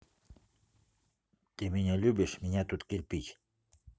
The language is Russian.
ты меня любишь меня тут кирпич